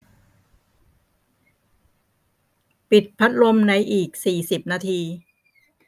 ปิดพัดลมในอีกสี่สิบนาที